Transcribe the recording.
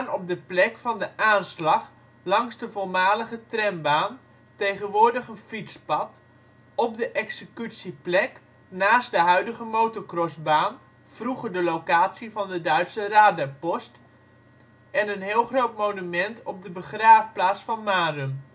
op de plek van de aanslag langs de voormalige trambaan, tegenwoordig een fietspad, op de executieplek naast de huidige motorcrossbaan, vroeger de locatie van de Duitse radarpost, en een heel groot monument op de begraafplaats van Marum